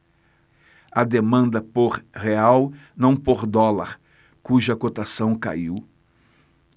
há demanda por real não por dólar cuja cotação cai